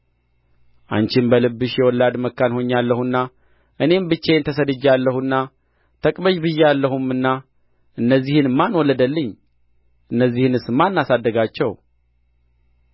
አንቺም በልብሽ የወላድ መካን ሆኛለሁና እኔም ብቻዬን ተሰድጄአለሁና ተቅበዝበዤ አለሁምና እነዚህን ማን ወለደልኝ እነዚህንስ ማን አሳደጋቸው